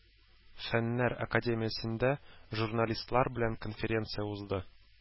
Фәннәр академиясендә журналистлар белән конференция узды.